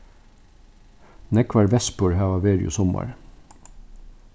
nógvar vespur hava verið í summar